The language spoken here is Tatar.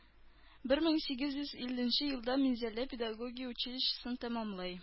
Бер мең сигез йөз илленче елда Минзәлә педагогия училищесын тәмамлый